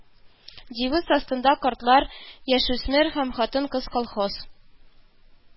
Девиз астында картлар, яшүсмер һәм хатын-кыз колхоз